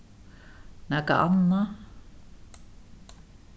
nakað annað